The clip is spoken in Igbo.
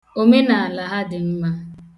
Omenaala ha dị mma.